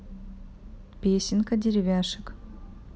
песенка деревяшек